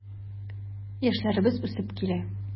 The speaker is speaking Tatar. Яшьләребез үсеп килә.